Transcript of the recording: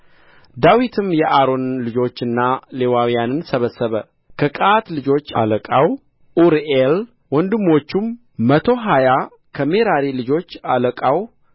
ዳዊትም የአሮንን ልጆችና ሌዋውያንን ሰበሰበ ከቀዓት ልጆች አለቃው ኡርኤል ወንድሞቹም መቶ ሀያ ከሜራሪ ልጆች አለቃው